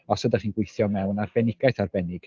Os ydach chi'n gweithio mewn arbenigaeth arbennig.